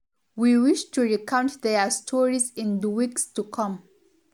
We wish to recount their stories in the weeks to come.